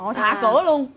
ồ thả cửa luôn